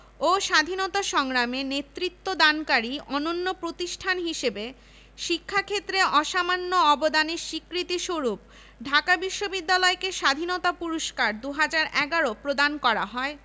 ও স্বাধীনতা সংগ্রামে নেতৃত্বদানকারী অনন্য প্রতিষ্ঠান হিসেবে শিক্ষা ক্ষেত্রে অসামান্য অবদানের স্বীকৃতিস্বরূপ ঢাকা বিশ্ববিদ্যালয়কে স্বাধীনতা পুরস্কার ২০১১ প্রদান করা হয়